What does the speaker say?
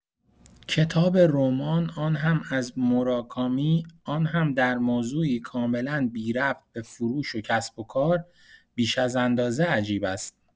کتاب رمان، آن هم از موراکامی، آن هم در موضوعی کاملا بی‌ربط به فروش و کسب و کار، بیش از اندازه عجیب است.